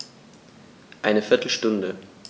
Eine viertel Stunde